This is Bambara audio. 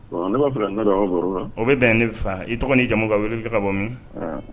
Bon ne ba fɛ kan n da don a ka baro la. O bi bɛn ne faa , i tɔgɔ ni jamu kan wele ka bɔ min?